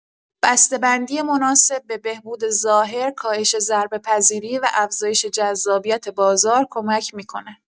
بسته‌بندی مناسب به بهبود ظاهر، کاهش ضربه‌پذیری و افزایش جذابیت بازار کمک می‌کند.